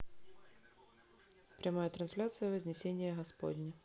прямая трансляция вознесение господне